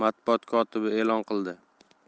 matbuot kotibi elon qildi